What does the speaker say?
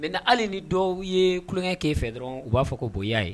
Mɛ ali ni dɔw yeurankɛke fɛ dɔrɔn u b'a fɔ ko bonyaya ye